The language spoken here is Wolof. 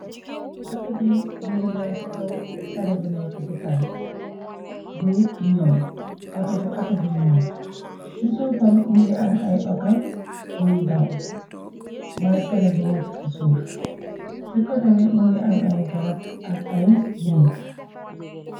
Auto bi mëngi daw ci kaw tali bu nekk ci kaw di ñoo. outo bi auto bu ñuul la ci suufam më ngi am ay auto yiy daw mooy tali bu nekk ci suuf ci kote bi më ngi am ay garab ak ay néeg.